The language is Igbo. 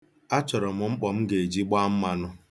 Achọrọ m mkpọ m ga-eji gbaa mmanụ.